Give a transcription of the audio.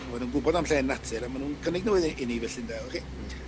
ma' nw'n gwbod am llên natur a ma' nw'n cynnig n'w iddy- i ni felly ynde wch chi. Hmm.